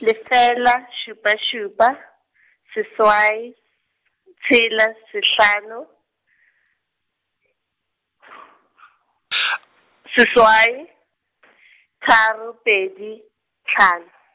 lefela šupa šupa, seswai tshela, sehlano, seswai, tharo, pedi, hlano.